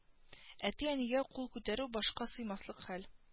Әти-әнигә кул күтәрү башка сыймаслык хәл